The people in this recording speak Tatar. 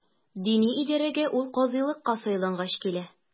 Дини идарәгә ул казыйлыкка сайлангач килә.